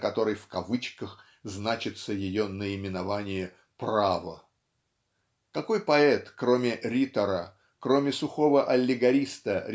на которой в кавычках значится ее наименование "право"? Какой поэт кроме ритора кроме сухого аллегориста